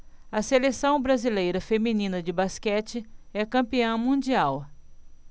a seleção brasileira feminina de basquete é campeã mundial